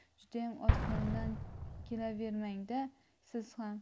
judayam osmondan kelavermang da siz ham